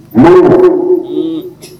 Hin